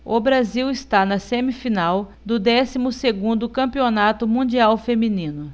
o brasil está na semifinal do décimo segundo campeonato mundial feminino